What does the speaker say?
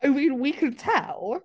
I mean we can tell.